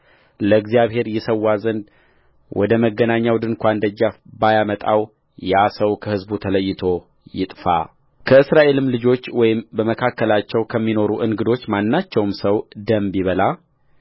ለእግዚአብሔር ይሠዋ ዘንድ ወደ መገናኛው ድንኳን ደጃፍ ባያመጣው ያ ሰው ከሕዝቡ ተለይቶ ይጥፋከእስራኤልም ልጆች ወይም በመካከላቸው ከሚኖሩ እንግዶች ማናቸውም ሰው ደም ቢበላ